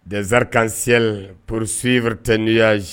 Dezarikany poursiyte n'u y'az